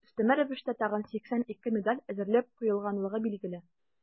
Өстәмә рәвештә тагын 82 медаль әзерләп куелганлыгы билгеле.